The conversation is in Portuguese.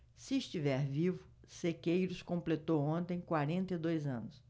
se estiver vivo sequeiros completou ontem quarenta e dois anos